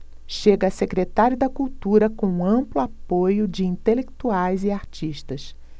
chega a secretário da cultura com amplo apoio de intelectuais e artistas